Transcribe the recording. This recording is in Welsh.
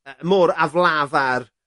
yy mor aflafar